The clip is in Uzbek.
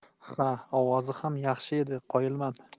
ha ovozi ham yaxshi edi qoyilman